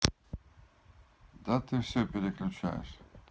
да ты все переключаешь